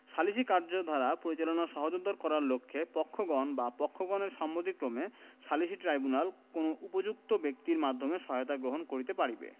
সালিসী কার্যধারা পরিচালনা সহজতর করার লক্ষ্যে পক্ষগণ বা পক্ষগণের সম্মতিক্রমে সালিসী ট্রাইব্যুনাল কোন উপযুক্ত ব্যক্তির মাধ্যমে সহায়তা গ্রহণ করিতে পারিবে